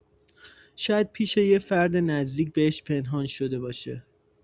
شاید پیش یه فرد نزدیک بهش پنهان شده باشه.